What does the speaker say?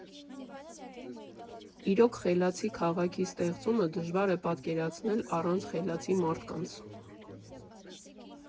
Իրոք, «Խելացի քաղաքի» ստեղծումը դժվար է պատկերացնել առանց «խելացի» մարդկանց։